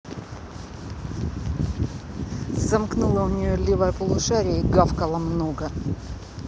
замкнула у нее левая полушария и гавкала много